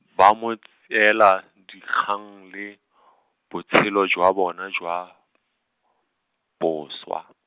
ba mo tseela, dikgang le , botshelo jwa bona jwa , bošwa.